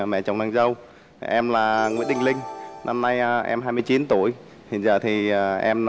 mẹ chồng nàng dâu em là nguyễn đình linh năm nay em hai mươi chín tuổi hiện giờ thì em